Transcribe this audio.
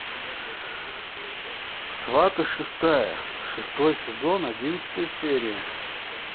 сваты шестая шестой сезон одиннадцатая серия